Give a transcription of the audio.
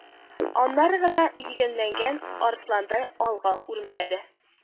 Аннары гына йөгәнләгән арсландай алга үрмәләде